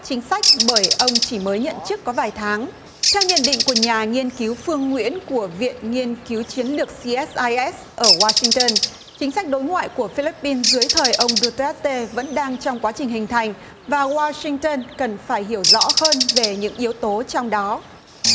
chính sách bởi ông chỉ mới nhận chức có vài tháng theo nhận định của nhà nghiên cứu phương nguyễn của viện nghiên cứu chiến lược si ét ai ét ở goa sinh tơn chính sách đối ngoại của phi lip pin dưới thời ông đu téc tê vẫn đang trong quá trình hình thành và goa sinh tơn cần phải hiểu rõ hơn về những yếu tố trong đó